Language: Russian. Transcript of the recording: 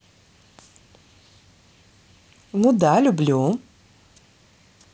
ну да люблю